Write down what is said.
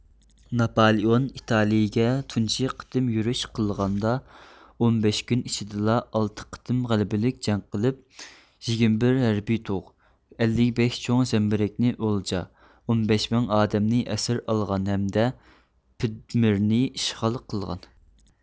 ناپالېئون ئىتالىيىگە تۇنجى قېتىم يۈرۈش قىلغاندا ئون بەش كۈن ئىچىدىلا ئالتە قېتىم غەلىبىلىك جەڭ قىلىپ يىگىرمە بىر ھەربىي تۇغ ئەللىك بەش چوڭ زەمبىرەكنى ئولجا ئون بەش مىڭ ئادەمنى ئەسىر ئالغان ھەمدە پىدمېرنى ئىشغال قىلغان